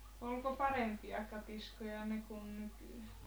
oliko parempia katiskoita ne kuin nykyään